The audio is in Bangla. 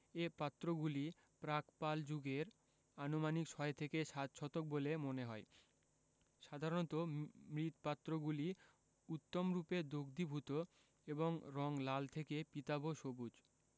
এ পাত্রগুলি প্রাক পাল যুগের আনুমানিক ছয় থেকে সাত শতক বলে মনে হয় সাধারণত মৃৎপাত্রগুলি উত্তমরূপে দগ্ধীভূত এবং রং লাল থেকে পীতাভ সবুজ